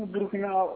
Fɔ Burkina oo